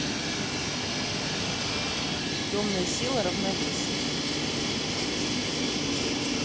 темная сила равновесие